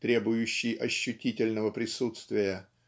требующий ощутительного присутствия